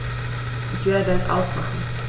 Ich werde es ausmachen